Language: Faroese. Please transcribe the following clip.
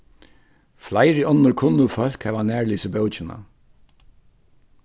fleiri onnur kunnug fólk hava nærlisið bókina